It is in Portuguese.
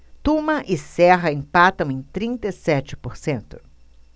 tuma e serra empatam em trinta e sete por cento